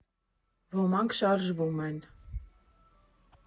Ոմանք շարժվում են։